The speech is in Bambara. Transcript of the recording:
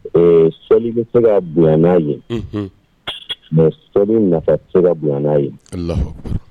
Selili bɛ se ka bonyanana ye mɛ seli nafa se ka bonyanana ye